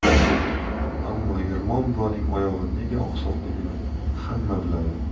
ammo ermon buvaning oyog'i nega oqsoqligini hamma biladi